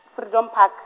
Freedompark.